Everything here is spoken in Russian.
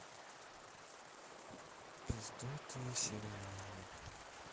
пиздатые сериалы